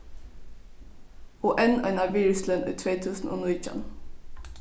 og enn eina virðisløn í tvey túsund og nítjan